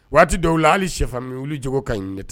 Waati dɔw hali sɛfanminwulu jogo ka ɲi ne